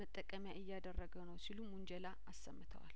መጠቀሚያ እያደረገው ነው ሲሉም ውንጀላ አሰምተዋል